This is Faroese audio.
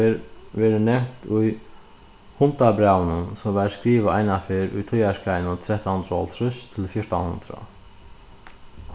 ferð verður nevnt í hundabrævinum sum varð skrivað einaferð í tíðarskeiðnum trettan hundrað og hálvtrýss til fjúrtan hundrað